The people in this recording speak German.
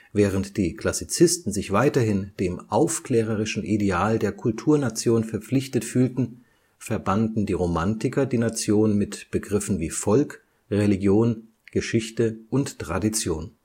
Während die Klassizisten sich weiterhin dem aufklärerischen Ideal der Kulturnation verpflichtet fühlten, verbanden die Romantiker die Nation mit Begriffen wie Volk, Religion, Geschichte und Tradition